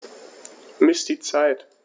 Miss die Zeit.